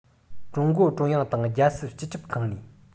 ཀྲུང གུང ཀྲུང དབྱང དང རྒྱལ སྲིད སྤྱི ཁྱབ ཁང ནས